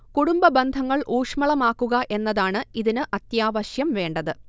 കുടുംബബന്ധങ്ങൾ ഊഷ്മളമാക്കുക എന്നതാണ് ഇതിന് അത്യാവശം വേണ്ടത്